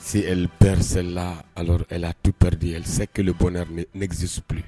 Se pɛps la la tupri de s kelen bɔnɛ nɛgɛgsi supur